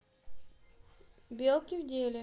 белки в деле